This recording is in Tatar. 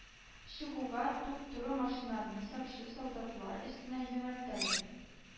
Чыгуга, туп-туры машинаны сакчы солдатлар өстенә юнәлтәләр